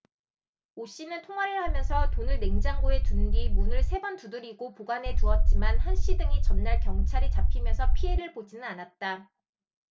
오씨는 통화를 하면서 돈을 냉장고에 둔 뒤 문을 세 번 두드리고 보관해 두었지만 한씨 등이 전날 경찰에 잡히면서 피해를 보지는 않았다